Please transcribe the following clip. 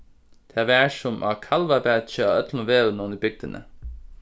tað var sum á kalvabaki á øllum vegunum í bygdini